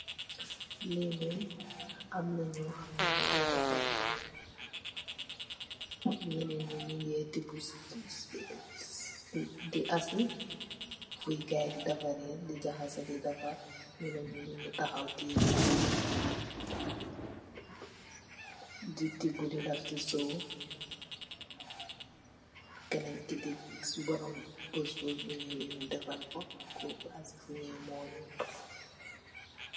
Nyene amna nyuy hammer nyunge dafar mull nyenen nyi nyunge tobu suff de asifu gayee de dafara de jahaseh de dafar nyenen nyu nyunge tahaw teyeh peeel de tobu de asi suff borom puspuss bi sunyuweh nyu dafar ku suff